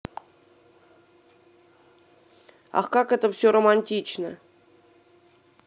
ах как это все романтично